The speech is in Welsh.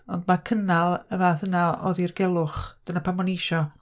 Ond ma' cynnal y fath yna o ddirgelwch, dyna pam o'n i isio.